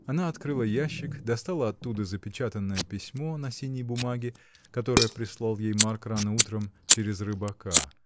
Она открыла ящик, достала оттуда запечатанное письмо на синей бумаге, которое прислал ей Марк рано утром через рыбака.